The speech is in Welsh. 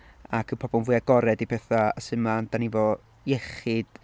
ac y pobl fwy agored i pethau a sut ma'... Dan ni efo iechyd...